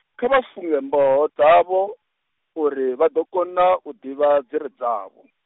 kha vha funge mboho dzavho, uri vha ḓo kona u ḓivha dzire dzavho.